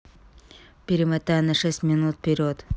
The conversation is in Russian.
перемотай на шесть минут вперед